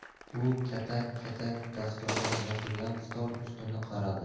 u katak katak dasturxon yopilgan stol ustini qaradi